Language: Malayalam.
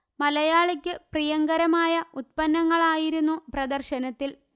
മലയാളിക്കു പ്രിയങ്കരമായ ഉത്പന്നങ്ങളായിരുന്നു പ്രദർശനത്തിൽ